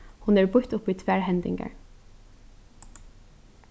hon er býtt upp í tvær hendingar